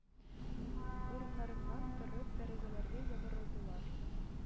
Урыннарыннан торып, тәрәзәләргә ябырылдылар.